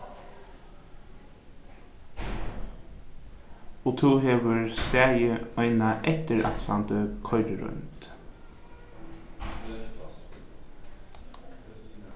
og tú hevur staðið eina eftiransandi koyriroynd